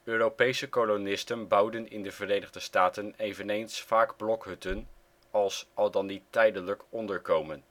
Europese kolonisten bouwden in de Verenigde Staten eveneens vaak blokhutten als (tijdelijk) onderkomen